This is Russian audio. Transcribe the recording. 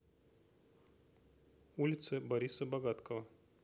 улица бориса богаткова